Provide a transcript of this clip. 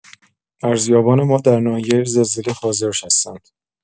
ارزیابان ما در ناحیه زلزله حاضر هستند.